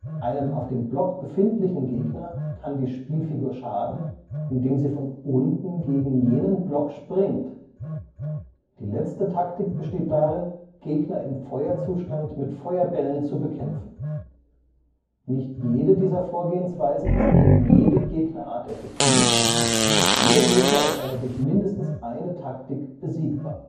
Einem auf einem Block befindlichen Gegner kann die Spielfigur schaden, indem sie von unten gegen jenen Block springt. Die letzte Taktik besteht darin, Gegner im Feuer-Zustand mit Feuerbällen zu bekämpfen. Nicht jede dieser Vorgehensweisen ist gegen jede Gegnerart effektiv, jeder Gegner ist aber durch mindestens eine Taktik besiegbar